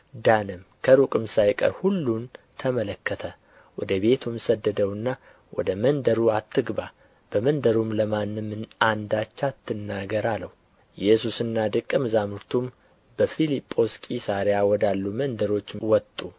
ዳነም ከሩቅም ሳይቀር ሁሉን ተመለከተ ወደ ቤቱም ሰደደውና ወደ መንደሩ አትግባ በመንደሩም ለማንም አንዳች አትናገር አለው ኢየሱስና ደቀ መዛሙርቱም በፊልጶስ ቂሣርያ ወዳሉ መንደሮች ወጡ